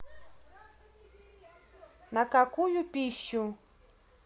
на какую пищу